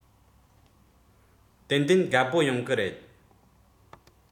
ཏན ཏན དགའ པོ ཡོང གི རེད